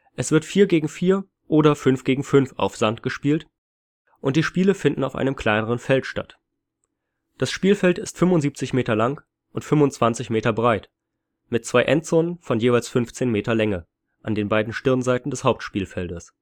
Es wird 4 gegen 4 oder 5 gegen 5 auf Sand gespielt und die Spiele finden auf einem kleineren Feld statt. Das Spielfeld ist 75 m lang und 25 m breit, mit zwei Endzonen von jeweils 15 m Länge an den beiden Stirnseiten des Hauptspielfeldes